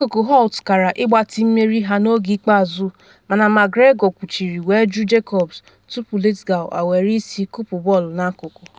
Akụkụ Holt kaara ịgbatị mmeri ha n’oge ikpeazụ mana McGregor kwuchiri wee jụ Jacobs, tupu Lithgow ewere isi kụpụ bọọlụ n’akụkụ.